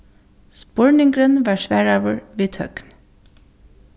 spurningurin varð svaraður við tøgn